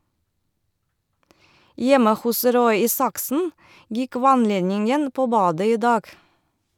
Hjemme hos Roy Isaksen gikk vannledningen på badet i dag.